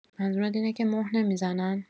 منظورت اینه که مهر نمی‌زنن؟